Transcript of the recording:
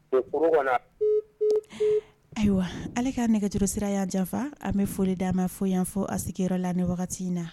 Do foro kɔnɔ yan ayiwa ale k'a nɛgɛjurusira y'an janfa an be foli d'a ma fo yan fo a sigiyɔrɔ la nin wagati in na